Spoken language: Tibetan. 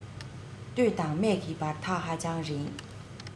སྟོད དང སྨད ཀྱི བར ཐག ཧ ཅང རིང